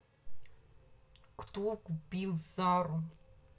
кто убил сару